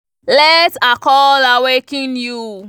Let her call awaken you!